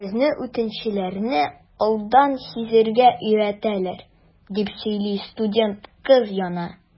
Безне үтенечләрне алдан сизәргә өйрәтәләр, - дип сөйли студент кыз Яна.